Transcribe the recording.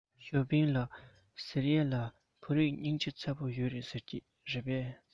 ཞའོ ཧྥུང ལགས ཟེར ཡས ལ བོད རིགས སྙིང རྗེ ཚ པོ ཡོད རེད ཟེར གྱིས རེད པས